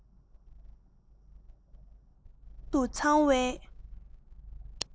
བར དུ འཚང བའི